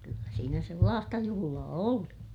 kyllä siinä sellaista juhlaa oli